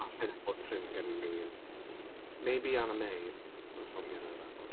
Alla i ddim fod yn ffrind gyda unrhyw un. Maybe Anna Mae ond so hi yna ragor.